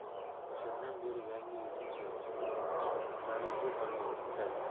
o'shandan beri yangi yilning birinchi kuni jalil bu xonadonga kiradi